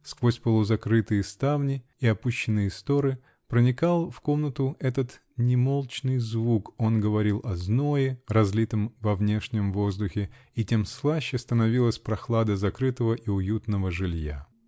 сквозь полузакрытые ставни и опущенные сторы проникал в комнату этот немолчный звук: он говорил о зное, разлитом во внешнем воздухе, -- и тем слаще становилась прохлада закрытого и уютного жилья.